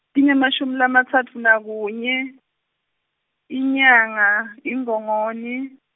tingemashumi lamatfatfu nakunye, inyanga, iNgongoni.